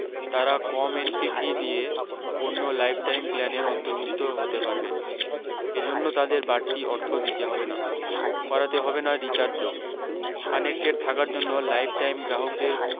তারা কম entry fee দিয়ে অন্য লাইফটাইম প্ল্যানের অন্তর্ভুক্ত হতে পারবেন এজন্য তাদের বাড়তি অর্থ দিতে হবে না করাতে হবে না রিচার্জও কানেকটেড থাকার জন্য লাইফটাইম গ্রাহকদের